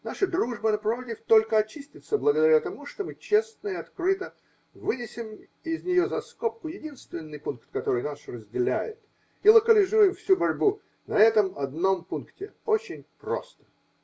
наша дружба, напротив, только очистится благодаря тому, что мы честно и открыто вынесем из нее за скобку единственный пункт, который нас разделяет, и локализуем всю борьбу на этом одном пункте. Очень просто.